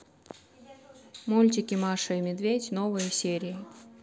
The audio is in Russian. мультики маша и медведь новые серии